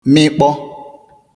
mịkpọ̄